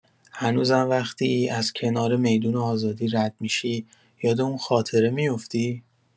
هنوزم وقتی از کنار می‌دون آزادی رد می‌شی، یاد اون خاطره می‌افتی؟